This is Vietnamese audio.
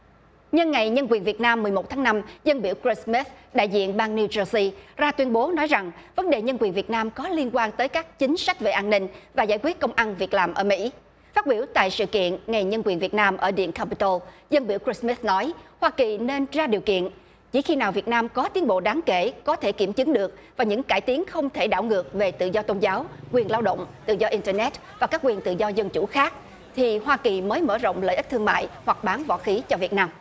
nhân ngày nhân quyền việt nam mười một tháng năm dâng biểu cờ rết xờ mết đại diện bang niu xơ si ra tuyên bố nói rằng vấn đề nhân quyền việt nam có liên quan tới các chính sách về an ninh và giải quyết công ăn việc làm ở mỹ phát biểu tại sự kiện ngày nhân quyền việt nam ở điện ca pi tô dâng biểu cờ rết xờ mết nói hoa kỳ nên ra điều kiện chỉ khi nào việt nam có tiến bộ đáng kể có thể kiểm chứng được và những cải tiến không thể đảo ngược về tự do tôn giáo quyền lao động tự do in tơ nét và các quyền tự do dân chủ khác thì hoa kỳ mới mở rộng lợi ích thương mại hoặc bán võ khí cho việt nam